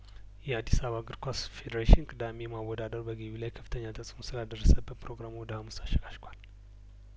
የአዲስአባ እግር ኳስ ፌዴሬሽን ቅዳሜ ማወዳደሩ በገቢው ላይ ከፍተኛ ተጽእኖ ስላደረሰበት ፕሮግራሙ ወደ ሀሙስ አሸጋሽጓል